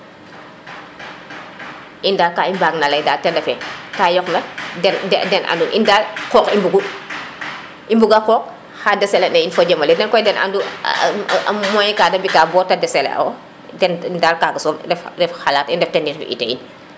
in dal ka i mbang na ley ten refe ka yoq na den den in dal qoq i mbugu qoq i mbugu xa desela na in fojemole den koy den andu e% moyen ka de mbika bote desele ox den in dal kaga som ref xalat in ten ref yite in